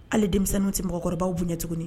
Hali denmisɛnninninw tɛ mɔgɔkɔrɔbabaw bɛ ɲɛ tuguni